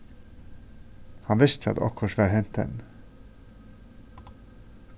hann visti at okkurt var hent henni